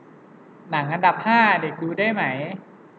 หนังอันดับห้าเด็กดูได้ไหม